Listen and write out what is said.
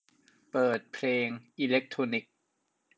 เปิดเพลงอิเลกโทรนิค